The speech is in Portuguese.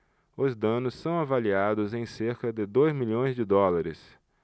os danos são avaliados em cerca de dois milhões de dólares